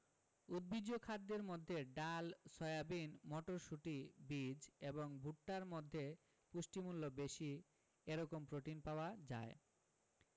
উদ্ভিজ্জ খাদ্যের মধ্যে ডাল সয়াবিন মটরশুটি বীজ এবং ভুট্টার মধ্যে পুষ্টিমূল্য বেশি এরকম প্রোটিন পাওয়া যায়